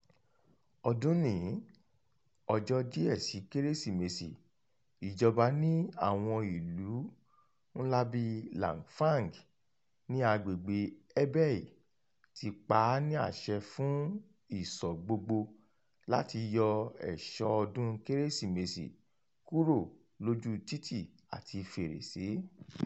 Ọdún nìín, ọjọ́ díẹ̀ sí Kérésìmesì, ìjọba ní àwọn ìlú ńlá bíi Langfang, ní agbègbèe Hebei, ti pa á ní àṣẹ fún ìsọ̀ gbogbo láti yọ ẹ̀ṣọ́ ọdún Kérésìmesì kúrò lójú títí àti fèrèsé.